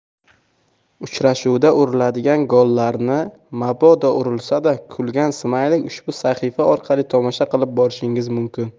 uchrashuvda uriladigan gollarni mabodo urilsada kulgan smaylik ushbu sahifa orqali tomosha qilib borishingiz mumkin